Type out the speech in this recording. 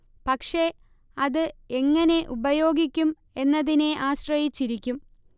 പക്ഷെ അത് എങ്ങനെ ഉപയോഗിക്കും എന്നതിനെ ആശ്രയ്ചിരിക്കും